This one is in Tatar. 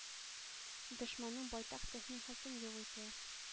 Дошманның байтак техникасын юк итә.